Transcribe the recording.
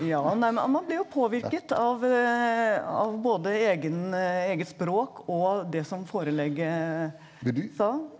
ja nei man ble jo påvirket av av både egen eget språk og det som forelegget sa.